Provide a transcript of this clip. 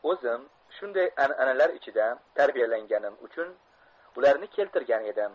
ozim shunday ananalar ichida tarbiyalanganim uchun ularni keltirgan edim